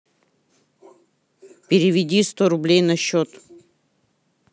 переведи сто рублей на счет